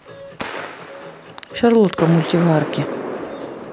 шарлотка в мультиварке